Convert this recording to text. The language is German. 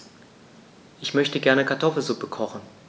Ich möchte gerne Kartoffelsuppe kochen.